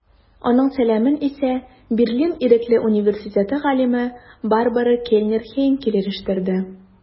Аның сәламен исә Берлин Ирекле университеты галиме Барбара Кельнер-Хейнкель ирештерде.